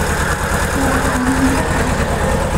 เปิดไฟในห้องอาหาร